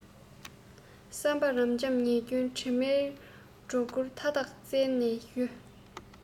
བསམ པས རབ འབྱམས ཉེས སྐྱོན དྲི མའི སྒྲོ སྐུར མཐའ དག རྩད ནས བཞུས